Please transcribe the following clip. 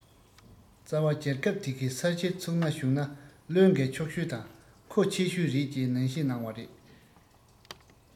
རྩ བ རྒྱལ ཁབ དེ གའི ས གཞིར ཚུགས ན བྱུང ན བློས འགེལ ཆོག ཤོས དང མཁོ ཆེ ཤོས རེད ཅེས ནན བཤད གནང བ རེད